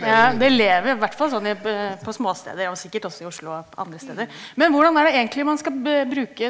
ja, det lever hvert fall sånn i på småsteder og sikkert også i Oslo og andre steder, men hvordan er det egentlig man skal bruke.